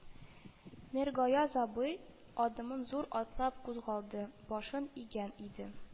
Миргаяз абый, адымын зур атлап кузгалды, башын игән иде